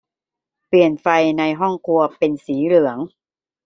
เปลี่ยนไฟในห้องครัวเป็นสีเหลือง